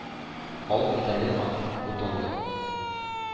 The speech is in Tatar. Ал медале аның путаллы,